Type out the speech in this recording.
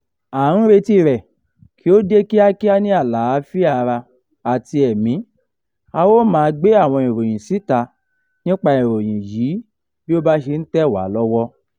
À ń retíi rẹ̀ kí ó dé kíákíá ní àlàáfíà ara àti ẹ̀mí, a ó máa gbé àwọn ìròyìn síta nípa ìròyìn yìí bí ó ba ṣe ń tẹ̀ wá lọ́wọ́.